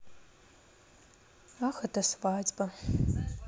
ах ты свадьба